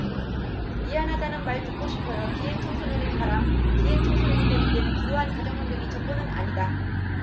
미안하다는 말 듣고 싶어요 비행청소년의 바람 비행청소년이 되는 데는 불우한 가정환경이 전부는 아니다